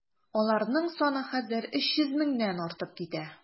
Аларның саны хәзер 300 меңнән артып китә.